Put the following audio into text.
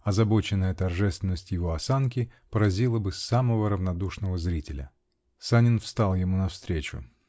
озабоченная торжественность его осанки поразила бы самого равнодушного зрителя! Санин встал ему навстречу.